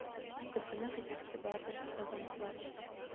Көлкенең хикмәкте бардыр казан утлары